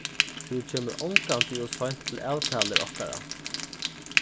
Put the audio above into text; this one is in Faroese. tú kemur ongantíð ov seint til avtalur okkara